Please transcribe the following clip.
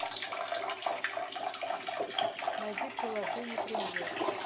найди приложение премьер